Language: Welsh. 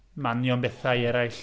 Manion bethau eraill.